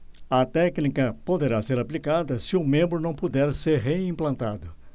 a técnica poderá ser aplicada se o membro não puder ser reimplantado